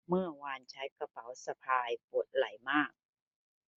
เมื่อวานใช้กระเป๋าสะพายปวดไหล่มาก